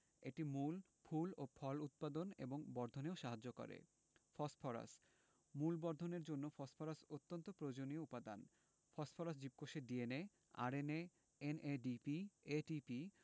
এটি মূল ফুল ও ফল উৎপাদন এবং বর্ধনেও সাহায্য করে জন্য ফসফরাস মূল র্বধনের জন্য ফসফরাস অত্যন্ত প্রয়োজনীয় উপাদান ফসফরাস জীবকোষের ডিএনএ আরএনএ এনএডিপি এটিপি